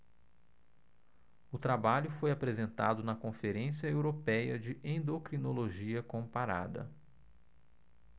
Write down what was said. o trabalho foi apresentado na conferência européia de endocrinologia comparada